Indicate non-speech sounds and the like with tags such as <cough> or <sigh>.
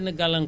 <hesitation> <hesitation>